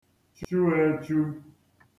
chu ēchū